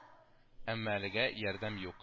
Әмма әлегә ярдәм юк